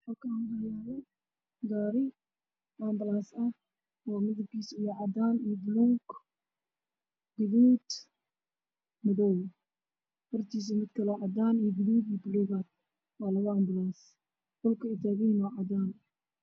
Waa gaari ambalaas ah midabkiisu waa cadaan, buluug iyo madow, hortiisa mid kaloo cadaan, gaduud iyo buluug ah waa labo ambalaas dhulka ay taagan yihiin waa cadaan.